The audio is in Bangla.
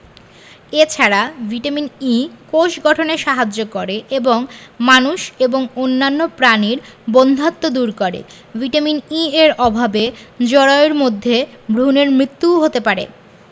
এ ছাড়া ভিটামিন E কোষ গঠনে সাহায্য করে এবং মানুষ এবং অন্যান্য প্রাণীর বন্ধ্যাত্ব দূর করে ভিটামিন E এর অভাবে জরায়ুর মধ্যে ভ্রুনের মৃত্যুও হতে পারে